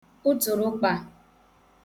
ụtụ̀rụkpa